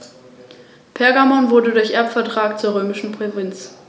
Der Schwanz der adulten Tiere ist braun und mehr oder weniger deutlich mit einigen helleren Bändern durchsetzt.